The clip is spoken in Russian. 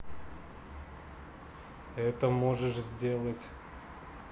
это можешь сделать